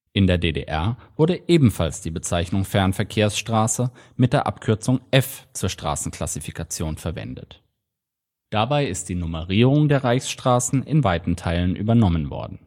In der DDR wurde ebenfalls die Bezeichnung „ Fernverkehrsstraße” mit der Abkürzung „ F “zur Straßenklassifikation verwendet. Dabei ist die Nummerierung der Reichsstraßen in weiten Teilen übernommen worden